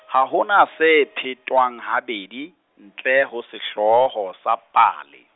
ha ho na se phetwang habedi, ntle ho sehlooho sa pale.